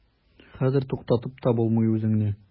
Хәзер туктатып та булмый үзеңне.